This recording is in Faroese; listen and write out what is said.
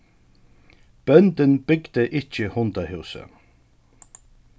bóndin bygdi ikki hundahúsið